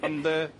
Ond yy...